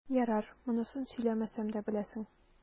Ярар, монысын сөйләмәсәм дә беләсең.